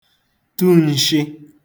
tu nshị̄